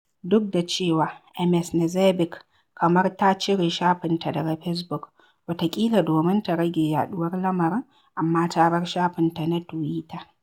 Duk da cewa Ms. Knezeɓic kamar ta cire shafinta daga Fesbuk, wataƙila domin ta rage yaɗuwar lamarin, amma ta bar shafinta na Tuwita.